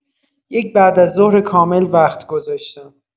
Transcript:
یک بعد از ظهر کامل وقت گذاشتم.